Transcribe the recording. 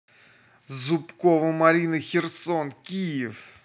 зубкова марина херсон киев